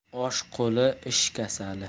osh quli ish kasali